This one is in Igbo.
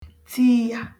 tiiya